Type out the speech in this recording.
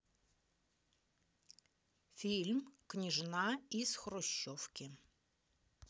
фильм княжна из хрущевки